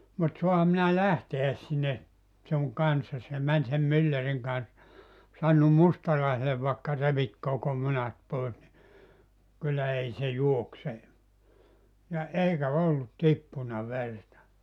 mutta saanhan minä lähteä sinne sinun kanssasi ja meni sen myllärin kanssa sanonut mustalaiselle vaikka revit koko munat pois niin kyllä ei se juokse ja eikä ollut tippunut verta